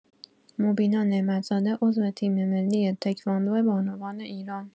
«مبینا نعمت‌زاده» عضو تیم‌ملی تکواندو بانوان ایران